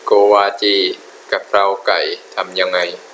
โกวาจีกะเพราไก่ทำยังไง